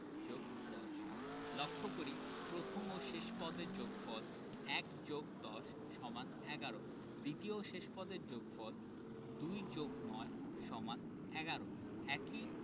+১০ লক্ষ করি প্রথম ও শেষ পদের যোগফল ১+১০=১১ দ্বিতীয় ও শেষ পদের যোগফল ২+৯=১১ একি